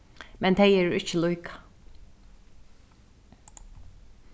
men tey eru ikki líka